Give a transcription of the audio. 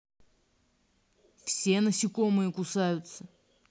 все насекомые кусаются